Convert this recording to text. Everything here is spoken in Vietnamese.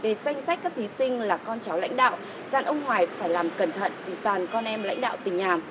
vì danh sách các thí sinh là con cháu lãnh đạo dặn ông hoài phải làm cẩn thận vì toàn con em lãnh đạo tỉnh nhà